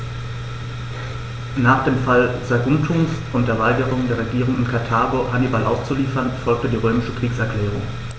Nach dem Fall Saguntums und der Weigerung der Regierung in Karthago, Hannibal auszuliefern, folgte die römische Kriegserklärung.